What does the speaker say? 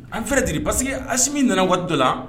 A vrai dire parce que Asimi nana waati dɔ la